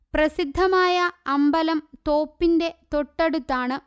പ്രസിദ്ധമായ അമ്പലം തോപ്പിന്റെ തൊട്ടടുത്താണ്